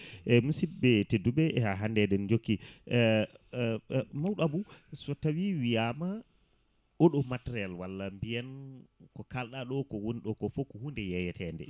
e musibɓe tedduɓe ha hande eɗen jokki mawɗo Abou so tawi wiyama oɗo matériel walla walla biyen ko kaalɗa ɗoko woni ɗoko foof ko hunde yeeyatede